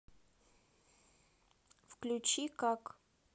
включи как